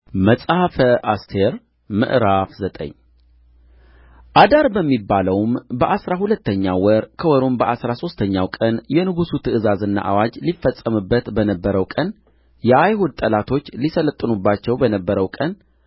መጽሐፈ አስቴር ምዕራፍ ዘጠኝ አዳር በሚባለውም በአሥራ ሁለተኛው ወር ከወሩም በአሥራ ሦስተኛው ቀን የንጉሡ ትእዛዝና አዋጅ ሊፈጸምበት በነበረው ቀን